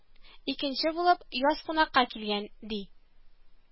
Икенче булып, Яз кунакка килгән, ди